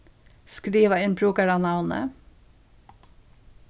skriva inn brúkaranavnið